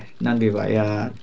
nên vì vậy ạ